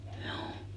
juu